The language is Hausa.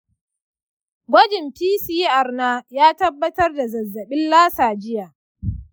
gwajin pcr na ya tabbatar da zazzabin lassa jiya.